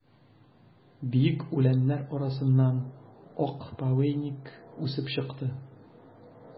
Биек үләннәр арасыннан ак повейник үсеп чыкты.